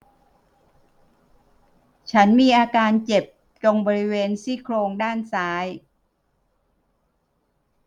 ฉันมีอาการเจ็บตรงบริเวณซี่โครงด้านซ้าย